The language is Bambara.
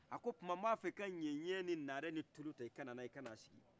a ko o tuma n b' a fɛ i ka ɲɛɲɛ ni naare ni tulu ta i ka na sigi